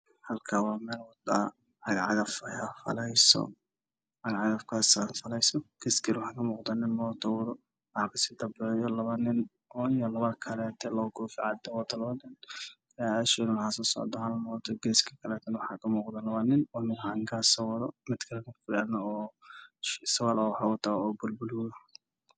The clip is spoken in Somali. Halkaan waxaa ka muuqdo caga cagaf jaalo ah oo jaqo ka hayso laamiga cagafta geeskeeda waxaa ka muuqdo mooto jaalo ah